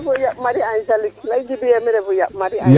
mi refu Ya Marie ANgelique lay Djiby yee mi refu Ya Marie Angelique